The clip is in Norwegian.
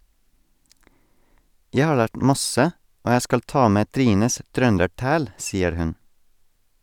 Jeg har lært masse, og jeg skal ta med Trines "trøndertæl" , sier hun.